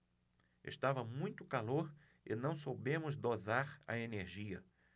estava muito calor e não soubemos dosar a energia